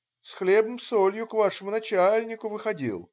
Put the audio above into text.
С хлебом-солью к вашему начальнику выходил".